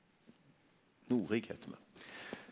heiter me.